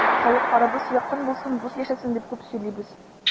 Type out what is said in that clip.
Халыкларыбыз якын булсын, дус яшәсен дип күп сөйлибез.